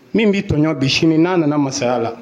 Min' tɔɲɔɔn bisimila n' nana masaya la